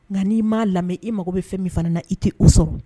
Nka n'i m'a lamɛn i mago bɛ fɛn min fana na i tɛ o sɔrɔ